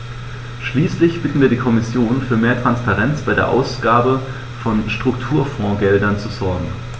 Schließlich bitten wir die Kommission, für mehr Transparenz bei der Ausgabe von Strukturfondsgeldern zu sorgen.